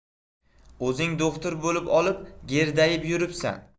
o'zing do'xtir bo'lib olib gerdayi ib yuribsan